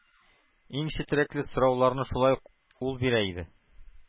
Иң четерекле сорауларны шулай ук ул бирә иде.